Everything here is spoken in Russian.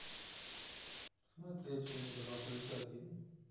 смотреть фильм два плюс один